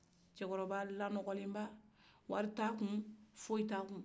cɛkɔrɔba lanɔgɔlenba wari tɛ a kun fɔsi tɛ a kun